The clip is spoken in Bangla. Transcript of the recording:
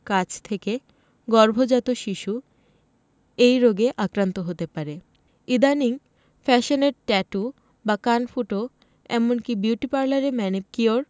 কাছ থেকে গর্ভজাত শিশু এই রোগে আক্রান্ত হতে পারে ইদানীং ফ্যাশনের ট্যাটু বা কান ফুটো এমনকি বিউটি পার্লারে ম্যানিকিওর